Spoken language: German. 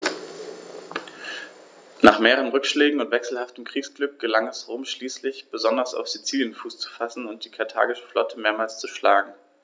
Nach mehreren Rückschlägen und wechselhaftem Kriegsglück gelang es Rom schließlich, besonders auf Sizilien Fuß zu fassen und die karthagische Flotte mehrmals zu schlagen.